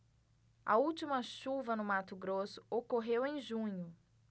a última chuva no mato grosso ocorreu em junho